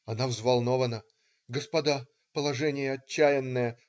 Она взволнована: "господа, положение отчаянное